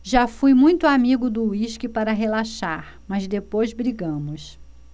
já fui muito amigo do uísque para relaxar mas depois brigamos